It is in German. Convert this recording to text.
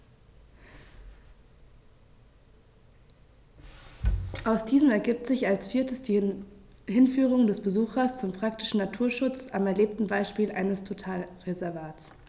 Aus diesen ergibt sich als viertes die Hinführung des Besuchers zum praktischen Naturschutz am erlebten Beispiel eines Totalreservats.